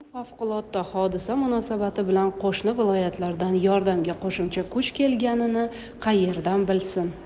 u favqulodda hodisa munosabati bilan qo'shni viloyatlardan yordamga qo'shimcha kuch kelganini qaerdan bilsin